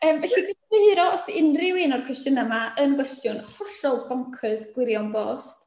Yym felly dwi'n ymddiheuro os 'di unrhyw un o'r cwestiynau 'ma yn gwestiwn hollol boncyrs, gwirion bost.